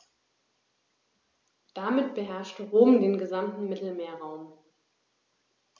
Damit beherrschte Rom den gesamten Mittelmeerraum.